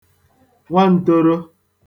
nwan̄tōrō